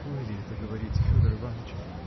-- Вы ли это говорите, Федор Иваныч?